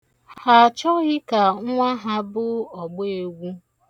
Ha achọghị ka nnwa ha bụ ọgbeegwu.